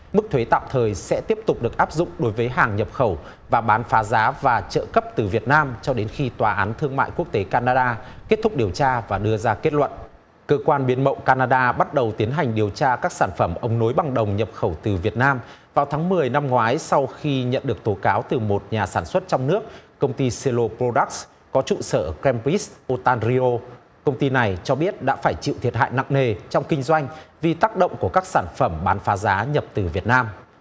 mức thuế tạm thời sẽ tiếp tục được áp dụng đối với hàng nhập khẩu và bán phá giá và trợ cấp từ việt nam cho đến khi tòa án thương mại quốc tế ca na đa kết thúc điều tra và đưa ra kết luận cơ quan biện mậu ca na đa bắt đầu tiến hành điều tra các sản phẩm ống nối bằng đồng nhập khẩu từ việt nam vào tháng mười năm ngoái sau khi nhận được tố cáo từ một nhà sản xuất trong nước công ty xê lô bờ rô đắc có trụ sở ở cam pít ô tan ri ô công ty này cho biết đã phải chịu thiệt hại nặng nề trong kinh doanh vì tác động của các sản phẩm bán phá giá nhập từ việt nam